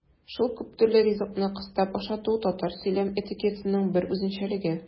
Шул күптөрле ризыкны кыстап ашату татар сөйләм этикетының бер үзенчәлеге.